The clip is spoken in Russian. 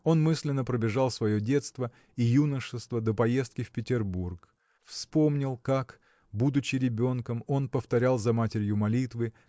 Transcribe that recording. Он мысленно пробежал свое детство и юношество до поездки в Петербург вспомнил как будучи ребенком он повторял за матерью молитвы